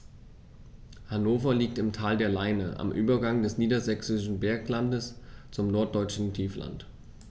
Hannover liegt im Tal der Leine am Übergang des Niedersächsischen Berglands zum Norddeutschen Tiefland.